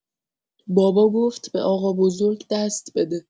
بابا گفت به آقا بزرگ دست بده.